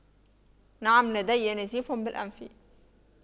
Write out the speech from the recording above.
نعم لدي نزيف بالأنف